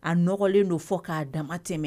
A nɔgɔlen don fɔ k'a dama tɛmɛ